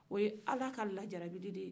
o ye ala ka lajarabili de ye